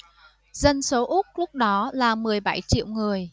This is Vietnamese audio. dân số úc lúc đó là mười bảy triệu người